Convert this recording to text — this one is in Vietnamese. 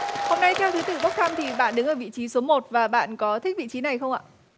hôm nay theo thứ tự bốc thăm thì bạn đứng ở vị trí số một và bạn có thích vị trí này không ạ